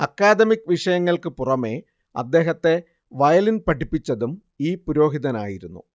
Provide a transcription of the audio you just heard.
academic വിഷയങ്ങൾക്കു പുറമേ അദ്ദേഹത്തെ വയലിൻ പഠിപ്പിച്ചതും ഈ പുരോഹിതനായിരുന്നു